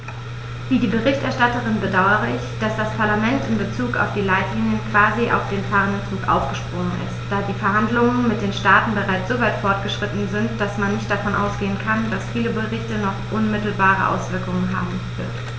Wie die Berichterstatterin bedaure ich, dass das Parlament in bezug auf die Leitlinien quasi auf den fahrenden Zug aufgesprungen ist, da die Verhandlungen mit den Staaten bereits so weit fortgeschritten sind, dass man nicht davon ausgehen kann, dass dieser Bericht noch unmittelbare Auswirkungen haben wird.